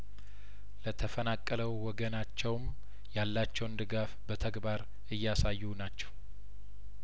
ለተፈናቀለው ወገናቸውም ያላቸውን ድጋፍ በተግባር እያሳዩ ናቸው